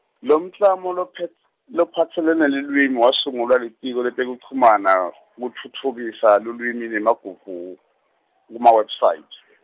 lomklamo lophets- lophatselene nelulwimi wasungulwa Litiko letekuchumana , kutfutfukisa lulwimi nemagugu, kuma-website.